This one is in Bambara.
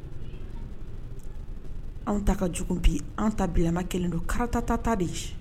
An ta ka jugu bi an ta bilama kelen don karatatata ta de